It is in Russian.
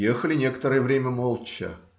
Ехали некоторое время молча.